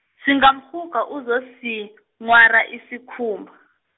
singamrhuga uzosinghwara, isikhumba.